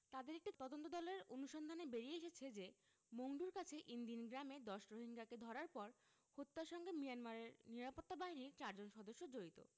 তাদের একটি তদন্তদলের অনুসন্ধানে বেরিয়ে এসেছে যে মংডুর কাছে ইনদিন গ্রামে ১০ রোহিঙ্গাকে ধরার পর হত্যার সঙ্গে মিয়ানমারের নিরাপত্তা বাহিনীর চারজন সদস্য জড়িত